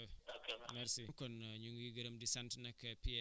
waa ECHO ak Jokalante ak Jabi Jula FM ñu ngi lay sant di la gërëm